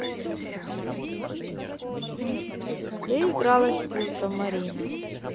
ты игралась с пультом марина